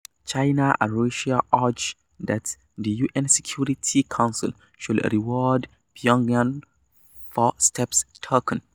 China and Russia argue that the U.N. Security Council should reward Pyongyang for steps taken.